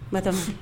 N bɛ taa